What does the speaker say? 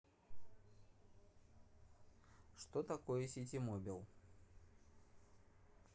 что такое ситимобил